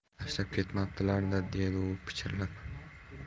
tashlab ketmabdilarda dedi u pichirlab